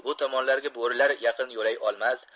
bu tomonlarga bo'rilar yaqin yo'lay olmas